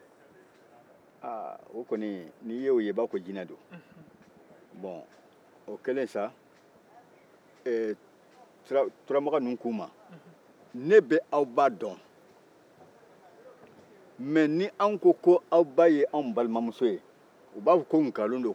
o kɛlen sa turamakan ninnu k'u ma anw b'aw ba dɔn nka n'anw ko k'a' ba y'anw balimamuso ye u b'a fɔ ko nkalon don ko nin den ɲuman ninnu k'an b'a fɛ k'u d'an balimamuso ma